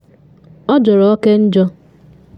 Ọ jọrọ oke njọ.